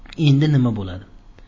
endi nima bo'ladi